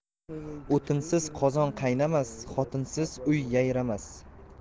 o'tinsiz qozon qaynamas xotinsiz uy yayramas